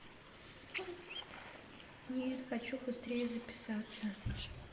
нет хочу быстрее записаться